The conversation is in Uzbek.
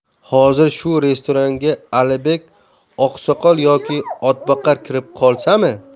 hozir shu restoranga alibek oqsoqol yoki otboqar kirib qolsami